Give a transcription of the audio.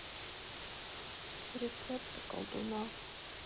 рецепты колдуны